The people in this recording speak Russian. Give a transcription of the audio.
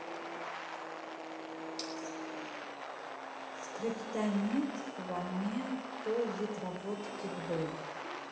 скриптонит во мне пол литра водки вдоль